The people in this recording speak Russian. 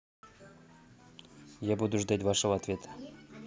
я буду ждать вашего ответа